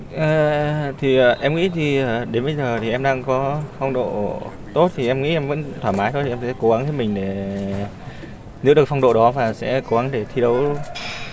a thì em nghĩ thì đến bây giờ thì em đang có phong độ tốt thì em nghĩ em vẫn thoải mái thôi thì em sẽ cố gắng hết mình để nếu được phong độ đó và sẽ cố gắng để thi đấu